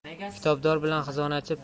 kitobdor bilan xizonachi